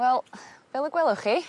Wel fel y gwelwch chi